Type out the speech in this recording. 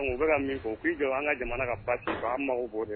U bɛ ka min fɔ k'i jɔ an ka jamana ka an mago